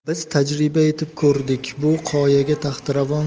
biz tajriba etib ko'rdik bu qoyaga taxtiravon